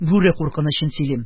Бүре куркынычын сөйлим.